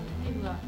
Ayiwa